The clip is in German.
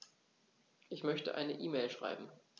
Ich möchte eine E-Mail schreiben.